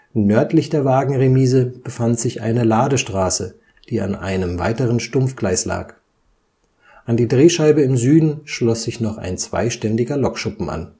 Nördlich der Wagenremise befand sich eine Ladestraße, die an einem weiteren Stumpfgleis lag. An die Drehscheibe im Süden schloss sich noch ein zweiständiger Lokschuppen an